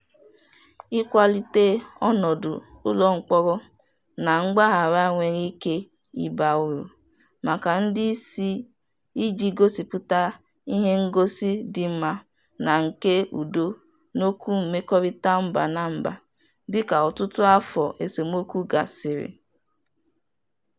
Ịkwalite ọnọdụ ụlọmkpọrọ na mgbaghara nwere ike ịba ụrụ maka ndị isi iji gosịpụta ihengosi dị mma na nke udo n'okwu mmekọrịta mba na mba, dịka ọtụtụ afọ esemokwu gasịrị.